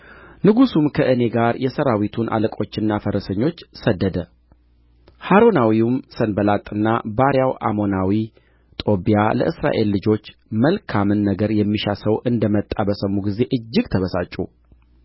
ንጉሡም ከእኔ ጋር የሠራዊቱን አለቆችና ፈረሰኞች ሰደደ ሖሮናዊውም ሰንባላጥና ባሪያው አሞናዊ ጦብያ ለእስራኤል ልጆች መልካምን ነገር የሚሻ ሰው እንደ መጣ በሰሙ ጊዜ እጅግ ተበሳጩ